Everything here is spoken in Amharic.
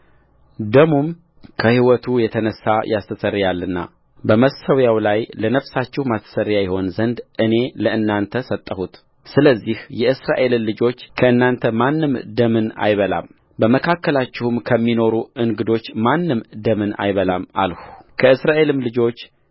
ደሙም ከሕይወቱ የተነሣ ያስተሰርያልና በመሠዊያው ላይ ለነፍሳችሁ ማስተስረያ ይሆን ዘንድ እኔ ለእናንተ ሰጠሁትስለዚህ የእስራኤልን ልጆች ከእናንተ ማንም ደምን አይበላም